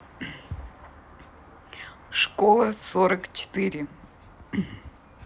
школа сорок четыре